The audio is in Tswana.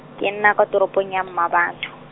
ke nna kwa toropong ya Mmabatho.